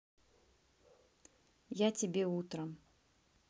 я тебе утром